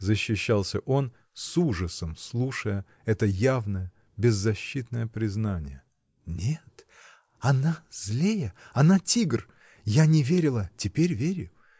— защищался он, с ужасом слушая это явное, беззащитное признание. — Нет, она злее, она — тигр. Я не верила, теперь верю.